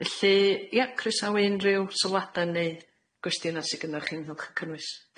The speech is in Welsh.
Felly ie croesawu unrhyw sylwadau neu gwestiyna sy gynnoch chi'n ddylch o cynnwys. Dioch yn fawr.